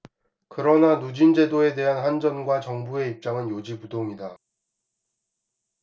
그러나 누진제도에 대한 한전과 정부의 입장은 요지부동이다